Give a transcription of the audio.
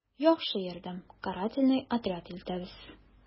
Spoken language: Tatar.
«яхшы ярдәм, карательный отряд илтәбез...»